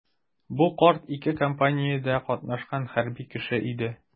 Бу карт ике кампаниядә катнашкан хәрби кеше иде.